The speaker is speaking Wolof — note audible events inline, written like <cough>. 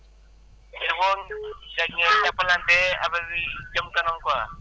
il faut <noise> Cheikh ngeen jàppalnante affaire yi jëm kanam quoi